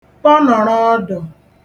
kpọnọ̀rọ ọdọ̀